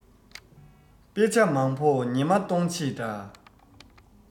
དཔེ ཆ མང བོ ཉི མ གཏོང བྱེད འདྲ